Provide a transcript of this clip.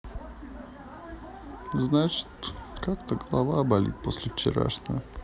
значит как то голова болит после вчерашнего